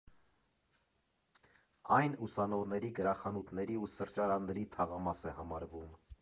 Այն ուսանողների, գրախանութների ու սրճարանների թաղամաս է համարվում։